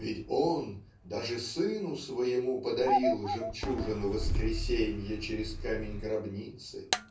ведь Он даже Сыну своему подарил жемчужину Воскресенья через камень гробницы".